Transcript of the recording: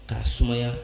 K'a sumaya